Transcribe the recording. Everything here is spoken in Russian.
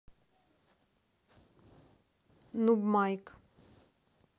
нуб майк